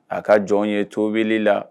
A ka jɔn ye tobili la